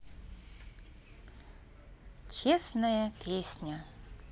честная песня